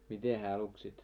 miten hän luki sitten